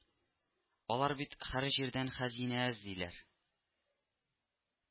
Алар бит һәр җирдән хәзинә эзлиләр